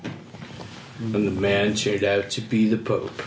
And the man turned out to be the Pope.